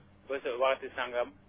bës waxtu sangam